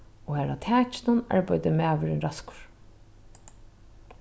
og har á takinum arbeiddi maðurin raskur